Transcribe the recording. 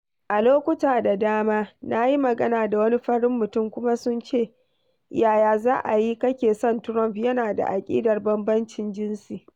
"A lokuta da dama na yi magana da wani farin mutum kuma sun ce: "Yaya za a yi kake son Trump, yana da aƙidar bambancin jinsi?"